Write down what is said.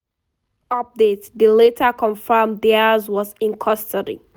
[Update: they later confirmed Diaz was in custody]